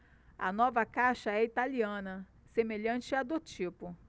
a nova caixa é italiana semelhante à do tipo